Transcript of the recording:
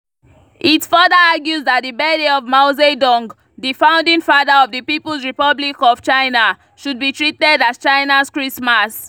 It further argues that the birthday of Mao Zedong, the founding father of the People's Republic of China, should be treated as China’s Christmas: